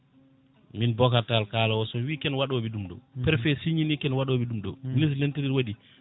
min Bocar Tall kalowo o somi wii ken waɗoɓe ɗum ɗo préfet signe ni kan waɗoɓe ɗum ɗo nden so mentenir waɗi